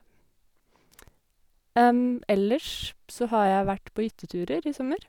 Ellers p så har jeg vært på hytteturer i sommer.